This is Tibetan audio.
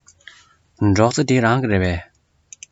སྒྲོག རྩེ འདི རང གི རེད པས